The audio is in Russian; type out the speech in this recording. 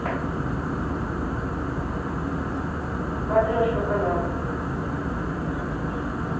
матрешка канал